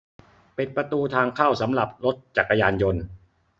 ปิดประตูทางเข้าสำหรับรถจักรยานยนต์